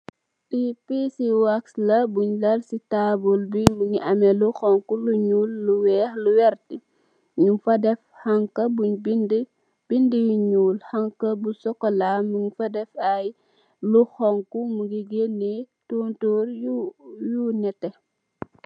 Le pichi wax la bun lal si table bi mu ngi am lu honha ñuul ,lu weex, verter ngu fa def hanha bu binda binda yu ñuul. hanha bu sokola nyu fa def lu honha mugi geneh tontor yu nete.